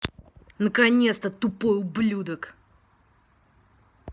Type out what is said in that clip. наконец то тупой ублюдок